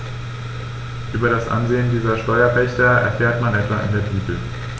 Über das Ansehen dieser Steuerpächter erfährt man etwa in der Bibel.